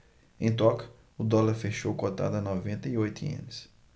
em tóquio o dólar fechou cotado a noventa e oito ienes